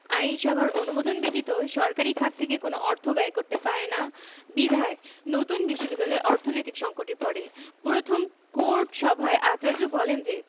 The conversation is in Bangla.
আইনসভার অনুমোদন ব্যতীত সরকারি খাত থেকে কোন অর্থ ব্যয় করতে পারে না বিধায় নতুন বিশ্ববিদ্যালয় অর্থনৈতিক সংকটে পড়ে প্রথম কোর্ট সভায় আচার্য বলেন যে